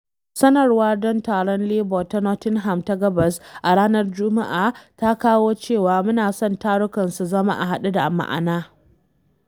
Sanarwa don taron Labour ta Nottingham ta Gabas a ranar Juma’a ta kawo cewa, “muna son tarukan su zama a haɗe da ma’ana.”